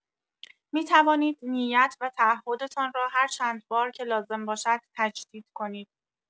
می‌توانید نیت و تعهدتان را هر چند بار که لازم باشد، تجدید کنید.